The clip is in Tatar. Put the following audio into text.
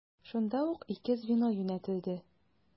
Шунда ук ике звено юнәтелде.